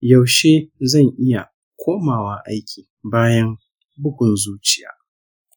yaushe zan iya komawa aiki bayan bugun zuciya?